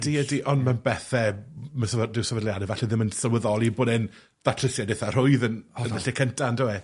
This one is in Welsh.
Ydi, ydi, ond ma'n bethe, ma' sefyd- dyw sefydliadau falle ddim yn sylweddoli bod e'n ddatrysiad itha rhwydd yn... Hollol. ...yn y lle cynta, yndyw e?